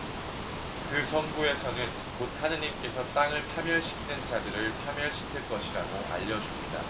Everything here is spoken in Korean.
그 성구에서는 곧 하느님께서 땅을 파멸시키는 자들을 파멸시키실 것이라고 알려 줍니다